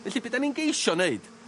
Felly be' 'dan ni'n geisio neud